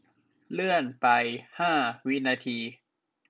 เลื่อนไปห้าวินาที